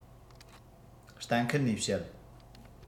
གཏན འཁེལ ནས བཤད